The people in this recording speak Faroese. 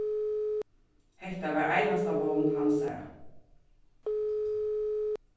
hetta var einasta vón hansara